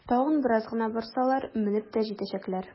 Тагын бераз гына барсалар, менеп тә җитәчәкләр!